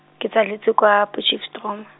ke tsaletswe kwa Potchefstroom.